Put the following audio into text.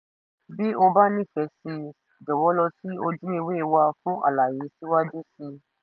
Bí o bá nífẹ̀ẹ́ síi, jọ̀wọ́ lọ sí ojúewé wa fún àlàyé síwájú síi.